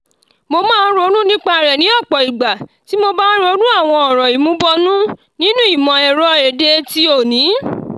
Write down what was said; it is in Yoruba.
Mo máa ń ronú nípa rẹ̀ ní ọ̀pọ̀ ìgbà tí mo bá ń ronú àwọn ọ̀ràn ìmúbọnú nínú ìmọ̀-ẹ̀rọ èdè ti òní.